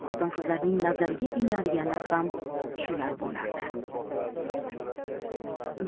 xotin qizlarning nazariga ilinadiganlar ham shular bo'lardi